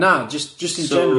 Na, jyst jyst in general.